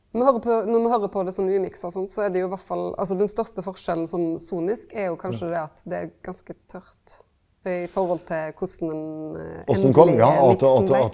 me høyrer på, når me høyrer på det sånn umiksa og sånn så er det jo iallfall altså den største forskjellen sånn sonisk er jo kanskje det at det er ganske tørt i forhold til korleis den endelege miksen blei.